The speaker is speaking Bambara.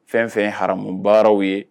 Fɛn fɛn ye ha baaraw ye